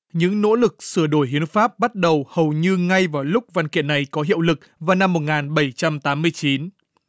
những nỗ lực sửa đổi hiến pháp bắt đầu hầu như ngay vào lúc văn kiện này có hiệu lực vào năm một nghìn bảy trăm tám mươi chín